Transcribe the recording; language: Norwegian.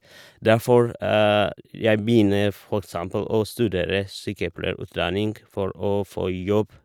Derfor jeg begynner for eksempel å studere sykepleierutdanning for å få jobb.